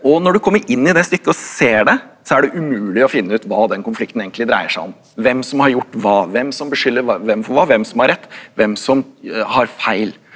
og når du kommer inn i det stykket og ser det så er det umulig å finne ut hva den konflikten egentlig dreier seg om, hvem som har gjort hva, hvem som beskylder hva hvem for hva, hvem som har rett, hvem som har feil.